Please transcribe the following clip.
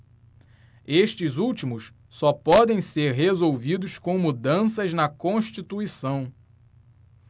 estes últimos só podem ser resolvidos com mudanças na constituição